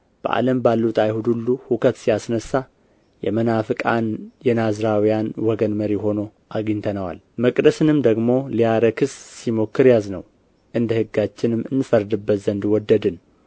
በዓለም ባሉት አይሁድ ሁሉ ሁከት ሲያስነሣ የመናፍቃን የናዝራውያን ወገን መሪ ሆኖ አግኝተነዋልና መቅደስንም ደግሞ ሊያረክስ ሲሞክር ያዝነው እንደ ሕጋችንም እንፈርድበት ዘንድ ወደድን